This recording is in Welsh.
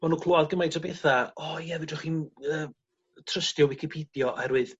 bo' nw'n clŵad gymaint o betha o ie fedrwch chi'm yy trystio wicipedio oherwydd